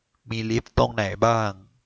มีลิฟท์ตรงไหนบ้าง